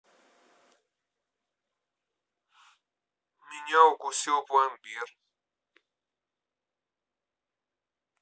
меня укусил пломбир